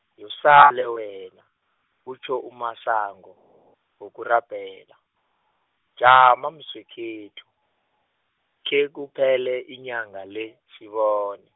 yosale wena, kutjho uMasango , ngokurabhela, jama mswekhethu, khekuphele inyanga le sibone.